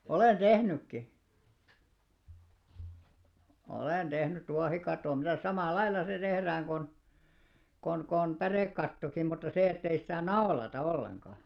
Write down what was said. olen tehnytkin olen tehnyt tuohikaton mitäs samalla lailla se tehdään kuin kuin kuin pärekattokin mutta se että ei sitä naulata ollenkaan